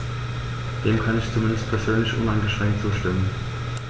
Dem kann ich zumindest persönlich uneingeschränkt zustimmen.